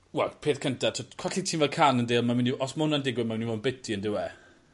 Wel peth cynta t'wod colli tîm fel Cannondale ma' myn' i f- os ma' wnna'n digwy ma' myn' i fod yn biti on'd yw e?